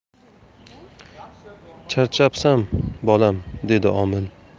charchabsan bolam dedi omil